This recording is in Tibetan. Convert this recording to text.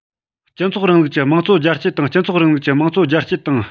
སྤྱི ཚོགས རིང ལུགས ཀྱི དམངས གཙོ རྒྱ སྐྱེད དང སྤྱི ཚོགས རིང ལུགས ཀྱི དམངས གཙོ རྒྱ སྐྱེད དང